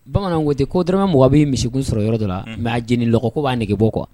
Bamananwkote kotema mɔgɔ bɛ misikun sɔrɔ yɔrɔ de la nka jenilɔkɔko b'a nɛgɛge bɔ kɔ